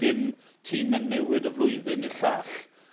dim time'n newid o flwyddyn i'r llall.